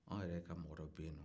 anw yɛrɛ ka mɔgɔ dɔ bɛ yen no